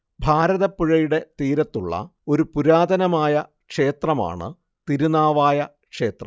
ഭാരതപ്പുഴയുടെ തീരത്തുള്ള ഒരു പുരാതനമായ ക്ഷേത്രമാണ് തിരുനാവായ ക്ഷേത്രം